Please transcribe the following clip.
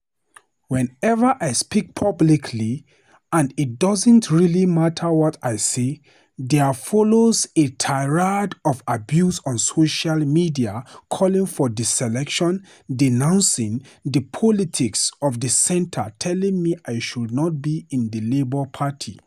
Whenever I speak publicly - and it doesn't really matter what I say - there follows a tirade of abuse on social media calling for deselection, denouncing the politics of the center, telling me I should not be in the Labour party.